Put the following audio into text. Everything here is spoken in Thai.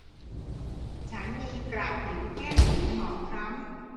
ฉันมีกระผิวแห้งผิวหมองคล้ำ